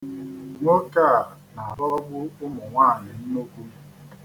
Nwoke a na-adọgbu ụmụnwaanyị nnukwu.